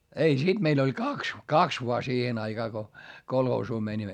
ei sitten meillä oli kaksi kaksi vain siihen aikaan kun kolhoosiin menimme